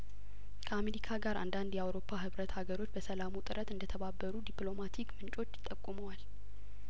ከአሜሪካ ጋር አንዳንድ የአውሮፓ ህብረት አገሮች በሰላሙ ጥረት እንደተባበሩ ዲፕሎማቲክ ምንጮች ጠቁመዋል